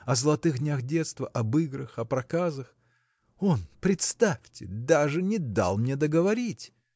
о золотых днях детства, об играх, о проказах. Он, представьте! даже не дал мне договорить.